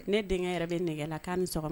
Ne deŋɛ yɛrɛ bɛ nɛgɛ la k'a ni sɔgɔma